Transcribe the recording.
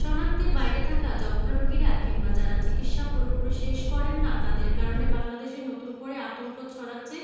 শনাক্তের বাইরে থাকা যক্ষ্মা রোগীরা কিংবা যারা চিকিৎসা পুরোপুরি শেষ করেন না তাদের কারণে বাংলাদেশে নতুন করে আতঙ্ক ছড়াচ্ছে